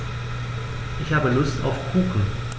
Ich habe Lust auf Kuchen.